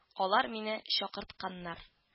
Алар мине чакыртканнар